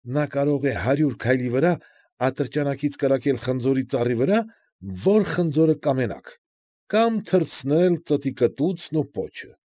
Նա կարող է հարյուր քայլի վրա ատրճանակից կրակել խնձորի ծառի վրա որ խնձորը կամենաք, կամ թռցնել ծտի կտուցն ու պոչը։ ֊